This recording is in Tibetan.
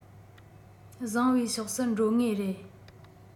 བཟང བའི ཕྱོགས སུ འགྲོ ངེས རེད